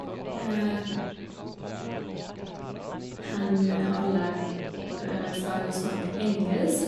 Han har lært seg å snakke engelsk.